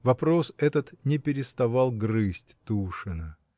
Вопрос этот не переставал грызть Тушина.